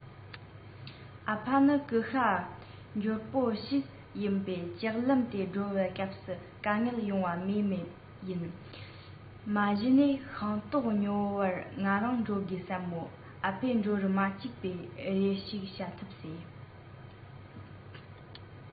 ཨ ཕ ནི སྐུ ཤ འབྱོར པོ ཞིག ཡིན པས ལྕགས ལམ དེ སྒྲོལ བའི སྐབས སུ དཀའ ངལ ཡོང བ སྨོས མེད ཡིན མ གཞི ནས ཤིང ཏོག ཉོ བར ང རང འགྲོ དགོས བསམས མོད ཨ ཕས འགྲོ རུ མ བཅུག པས རེ ཞིག བྱ ཐབས ཟད